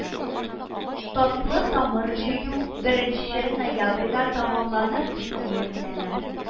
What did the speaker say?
Татлы тамыр җыю беренче ноябрьгә тәмамланыр дип ниятләнә